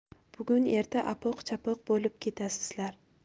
bugun erta apoq chapoq bo'lib ketasizlar